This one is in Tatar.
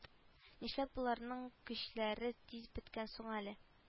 Нишләп боларның көчләре тиз беткән соң әле